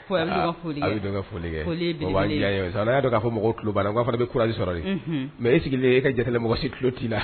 Y' fɔba'a fana bɛ kuli sɔrɔ mɛ e sigilen e ka jamɔgɔ si tuloloti la